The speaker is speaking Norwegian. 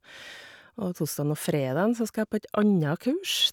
Og torsdagen og fredagen så skal jeg på et anna kurs.